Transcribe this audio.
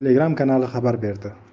telegram kanali xabar berdi